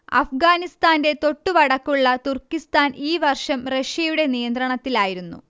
അഫ്ഗാനിസ്താന്റെ തൊട്ടുവടക്കുള്ള തുർക്കിസ്താൻ ഈ വർഷം റഷ്യയുടെ നിയന്ത്രണത്തിലായിരുന്നു